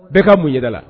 Bɛɛ ka mun ɲɛda la